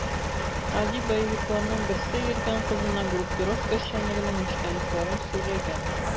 Гади боевикларның берсе йөргән кызына группировка эшчәнлегенең нечкәлекләрен сөйләгән.